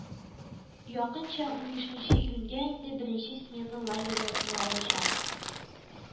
Якынча унбишенче июньгә инде беренче смена лагерьга килә алачак